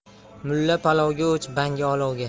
mulla palovga o'ch bangi olovga